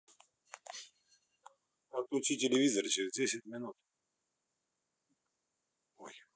отключи телевизор через десять минут